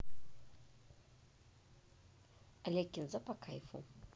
олег кензов по кайфу